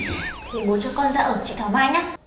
thế bố cho con ra ở với chị thảo mai nhớ